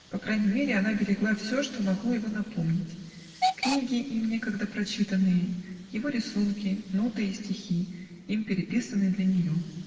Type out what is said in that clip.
по крайней мере она берегла все, что могло его напомнить: книги, им некогда прочитанные, его рисунки, ноты и стихи, им переписанные для нее.